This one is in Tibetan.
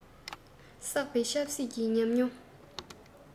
བསགས པའི ཆབ སྲིད ཀྱི ཉམས མྱོང